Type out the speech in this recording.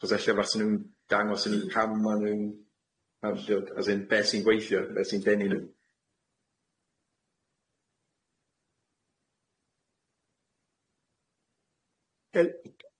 Achos ella fasen n'w'n dangos i ni pam ma' n'w'n arllw- as in be sy'n gweithio, be sy'n denu n'w?